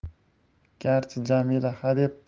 garchi jamila hadeb